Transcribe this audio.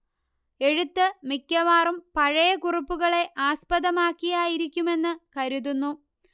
എഴുത്ത് മിക്കവാറും പഴയ കുറിപ്പുകളെ ആസ്പദമാക്കിയായിരിക്കുമെന്ന് കരുതുന്നു